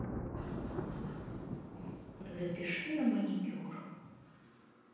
запиши на маникюр